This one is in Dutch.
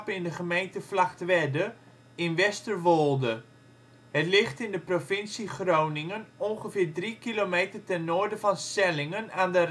in de gemeente Vlagtwedde, in Westerwolde. Het ligt in de provincie Groningen, ongeveer 3 kilometer ten noorden van Sellingen aan de